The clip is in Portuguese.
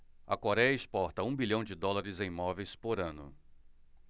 a coréia exporta um bilhão de dólares em móveis por ano